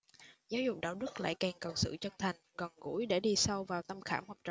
giáo dục đạo đức lại càng cần sự chân thành gần gũi để đi sâu vào tâm khảm học trò